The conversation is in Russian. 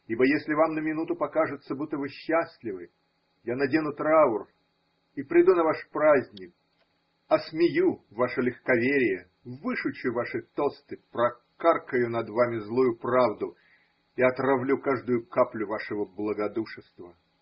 Ибо если вам на минуту покажется, будто вы счастливы, я надену траур и приду на ваш праздник, осмею ваше легковерие, вышучу ваши тосты, прокаркаю над вами злую правду и отравлю каждую каплю вашего благодушества.